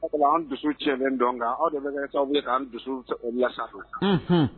A an dusu cɛ dɔn kan aw de bɛ sababu k'an dusu lasa